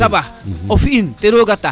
tabax o fi in to roga tax